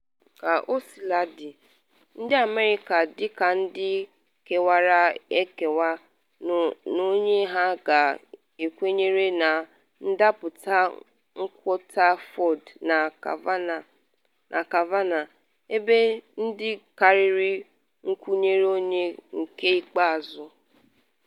Kaosiladị, Ndị America dị ka ndị kewara ekewa n’onye ha ga-ekwenyere na ndapụta nkwuputa Ford na Kavanaugh, ebe ndị karịrị kwụnyere onye nke ikpeazụ.